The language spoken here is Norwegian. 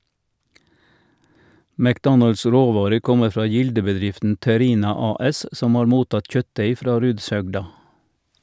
McDonalds råvarer kommer fra Gilde-bedriften Terina AS som har mottatt kjøttdeig fra Rudshøgda.